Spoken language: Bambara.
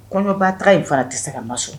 Kɔɲɔbaa taara in fara tɛ se ka ma so